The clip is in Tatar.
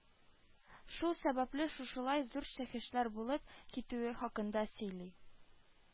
Шул сәбәпле шушылай зур шәхесләр булып китүе хакында сөйли